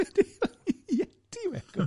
Yeti we.